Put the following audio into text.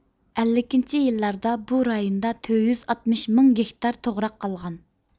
ئەللىكىنچى يىللاردا بۇ رايوندا تۆت يۈز ئاتمىش مىڭ گېكتار توغراق قالغان